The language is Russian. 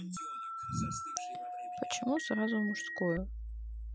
почему сразу мужскую